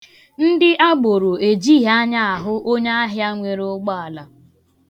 Ndị agboro ejighi anya ahụ onyaahịa nwere ụgbaala.